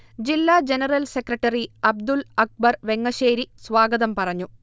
ജില്ലാ general secretary Abdul Akbar Vengasseri സ്വാഗതം പറഞ്ഞു